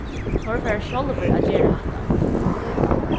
teir fara sjálvir at gera hatta